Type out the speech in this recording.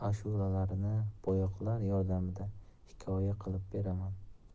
bo'yoqlar yordamida hikoya qilib beraman